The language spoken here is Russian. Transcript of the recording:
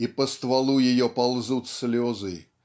и по стволу ее ползут слезы